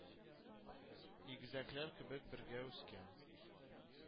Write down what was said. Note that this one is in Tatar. Игезәкләр кебек бергә үскән